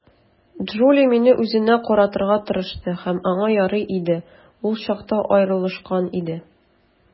Джули мине үзенә каратырга тырышты, һәм аңа ярый иде - ул чакта аерылышкан иде.